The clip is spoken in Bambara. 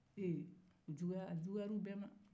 ee a-a juguyara u bɛɛ ma